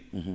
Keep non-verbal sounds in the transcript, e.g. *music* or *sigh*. *hesitation* *hesitation*